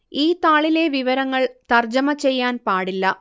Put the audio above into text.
ഈ താളിലെ വിവരങ്ങൾ തർജ്ജമ ചെയ്യാൻ പാടില്ല